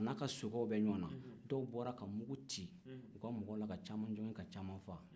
a n'a ka sokɛw bɛ ɲɔgɔn na dɔw bɔra ka mugu ci u ka mɔgɔw la ka caman jogin ka caman faga